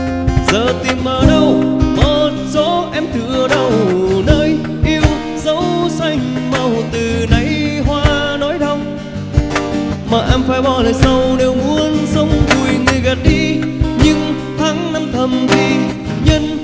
giờ tìm ở đâu một chỗ em tựa đầu nơi yêu dấu xanh màu từ nay hóa nỗi đau mà em phải bỏ lại sau nếu muốn sống vui người gạt đi những tháng năm thầm thì nhân